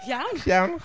Iawn!...Iawn?